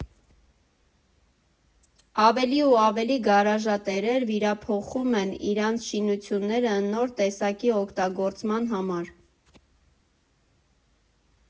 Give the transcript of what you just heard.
Ավելի ու ավելի գարաժատերեր վերափոխում են իրանց շինությունները նոր տեսակի օգտագործման համար։